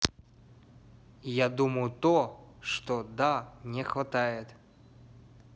я думаю то что да не хватает